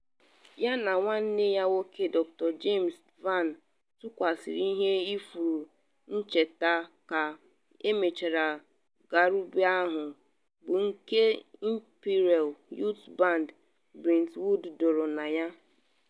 Ya na nwanne ya nwoke Dr James Vann tụkwasara ihe ifuru ncheta ka emechara ngarube ahụ, bụ nke Imperial Youth Band Brentwood duru na ya.